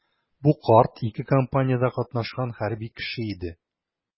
Бу карт ике кампаниядә катнашкан хәрби кеше иде.